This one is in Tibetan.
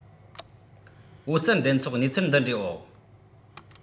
ཨོ རྩལ འགྲན ཚོགས གནས ཚུལ འདི འདྲའི འོག